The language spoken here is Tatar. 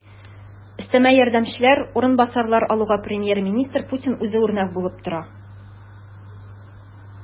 Өстәмә ярдәмчеләр, урынбасарлар алуга премьер-министр Путин үзе үрнәк булып тора.